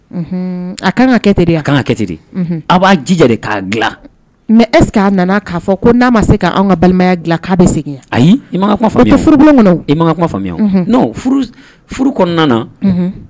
A ka kan ka kɛ a kan ka kɛ a b'a jija k' dila mɛ ɛs'a nana k'a fɔ ko n'a ma se' ka balimaya dila k'a bɛ segin ayi furu kɔnɔ faamuya furu kɔnɔna